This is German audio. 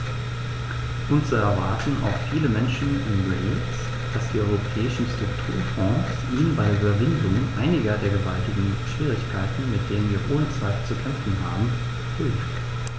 Und so erwarten auch viele Menschen in Wales, dass die Europäischen Strukturfonds ihnen bei der Überwindung einiger der gewaltigen Schwierigkeiten, mit denen wir ohne Zweifel zu kämpfen haben, hilft.